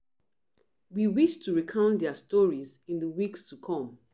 We wish to recount their stories in the weeks to come.